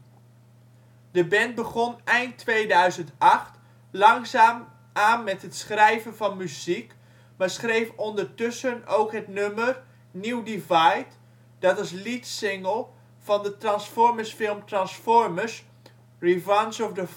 De band begon eind 2008 langzaam aan met het schrijven van muziek, maar schreef ondertussen ook het nummer " New Divide ", dat als leadsingle van de Transformersfilm Transformers: Revenge of the Fallen soundtrack